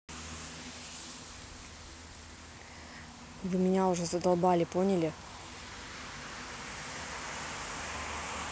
вы меня уже задолбали поняли